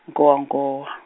Nkowankowa.